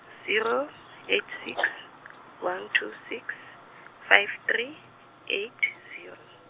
zero, eight six, one two six, five three, eight, zero.